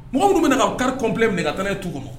Mɔgɔ minnu bɛ na ka karimp minɛ ka taa tu kɔnɔ